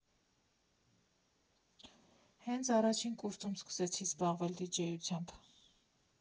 Հենց առաջին կուրսում սկսեցի զբաղվել դիջեյությամբ։